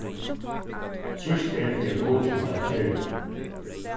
trýst her fyri at ógilda gerðina